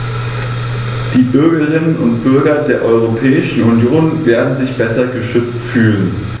Die Bürgerinnen und Bürger der Europäischen Union werden sich besser geschützt fühlen.